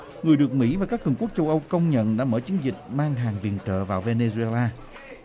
người được mỹ và các cường quốc châu âu công nhận đã mở chiến dịch mang hàng viện trợ vào vê nê duê la